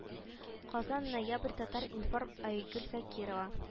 Казан ноябрь татар-информ айгөл закирова